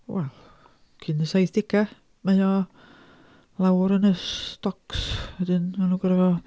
wel cyn y saithdegau mae o lawr yn y stocs wedyn maen nhw'n gorfod